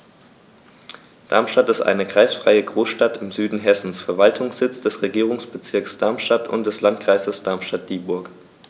Darmstadt ist eine kreisfreie Großstadt im Süden Hessens, Verwaltungssitz des Regierungsbezirks Darmstadt und des Landkreises Darmstadt-Dieburg.